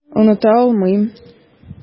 Оныта алмыйм.